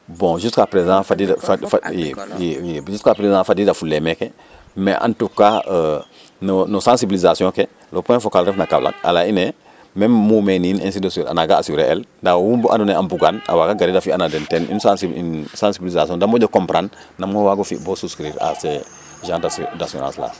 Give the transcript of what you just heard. bon jusqu' à présent fadiidafule meeke mais en tout cas no sensiblisation ke le point facal ref na taga a laya in ee meme muumeen nin ainsi de suite a naanga assurer el ndaa wu andoona yee a mbugaan a waaga gariid a fi'an a den ten yin sensiblisation da moƴo comprendre nam o waag o fi' boo souscrir u a c' est genre d' assurance